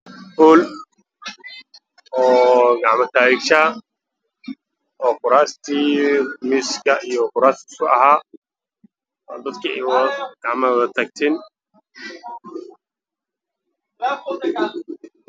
Hool oo kuraas iyo miis dadkana ay gacmaha taageen